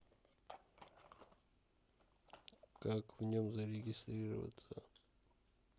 как в нем зарегистрироваться